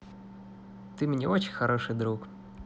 ты мне очень хороший друг